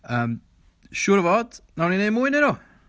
Yym, siŵr o fod, wnawn ni wneud mwy ohonyn nhw!